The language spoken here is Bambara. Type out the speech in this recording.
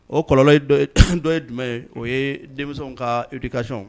O kɔlɔn dɔ ye jumɛn ye o ye denmisɛnw kakac